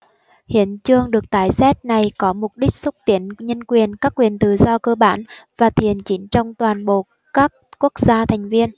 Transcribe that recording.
hiến chương được tái xét này có mục đích xúc tiến nhân quyền các quyền tự do cơ bản và thiện chính trong toàn bộ các quốc gia thành viên